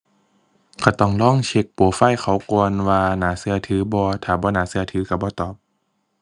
ก็ต้องลองเช็กโปรไฟล์เขาก่อนว่าน่าก็ถือบ่ ถ้าบ่น่าก็ถือก็บ่ตอบ